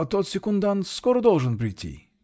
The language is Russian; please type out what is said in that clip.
Тот секундант скоро должен прийти?